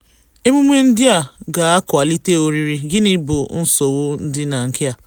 Emume ndị a ga-akwalite oriri, gịnị bụ nsogbu dị na nke a?